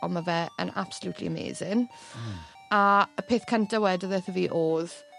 on' ma' fe yn *absolutely amazing. Hmm. A y peth cynta wedodd wtho fi odd